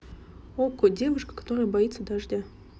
okko девушка которая боится дождя